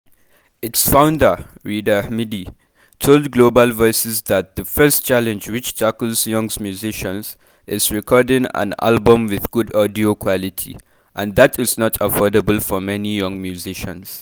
Its founder, Reda Hmidi, told Global Voices that “the first challenge which tackles young musicians is recording an album with good audio quality, and that is not affordable for many young musicians.”